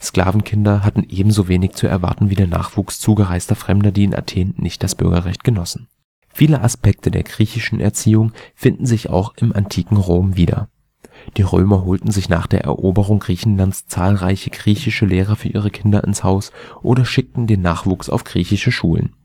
Sklavenkinder hatten ebenso wenig zu erwarten wie der Nachwuchs zugereister Fremder, die in Athen nicht das Bürgerrecht genossen. Spielende Kinder, römisches Relief, 2. Jh. nach Chr. Viele Aspekte der griechischen Erziehung finden sich auch im antiken Rom wieder. Die Römer holten sich nach der Eroberung Griechenlands zahlreiche griechische Lehrer für ihre Kinder ins Haus oder schickten den Nachwuchs auf griechische Schulen